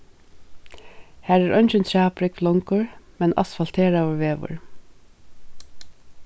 har er eingin træbrúgv longur men asfalteraður vegur